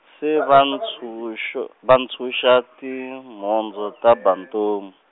se va ntshuxo-, va ntshunxa timhondzo ta Bantomu.